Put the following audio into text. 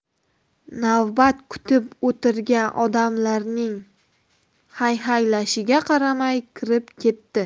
navbat kutib o'tirgan odamlarning hayhaylashiga qaramay kirib ketdi